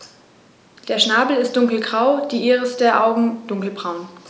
Der Schnabel ist dunkelgrau, die Iris der Augen dunkelbraun.